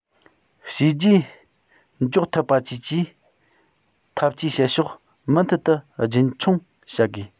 བྱས རྗེས འཇོག ཐུབ པ བཅས ཀྱིས འཐབ ཇུས བྱེད ཕྱོགས མུ མཐུད དུ རྒྱུན འཁྱོངས བྱ དགོས